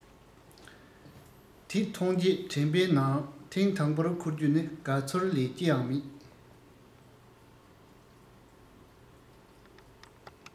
དེ མཐོང རྗེས དྲན པའི ནང ཐེངས དང པོར འཁོར རྒྱུ ནི དགའ ཚོར ལས ཅི ཡང མེད